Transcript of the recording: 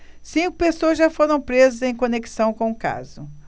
cinco pessoas já foram presas em conexão com o caso